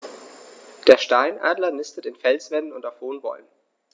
Der Steinadler nistet in Felswänden und auf hohen Bäumen.